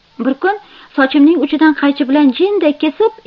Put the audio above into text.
bir kun sochimning uchidan qaychi bilan jindak kesib